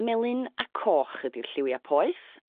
melyn a coch ydi'r lliwia poeth.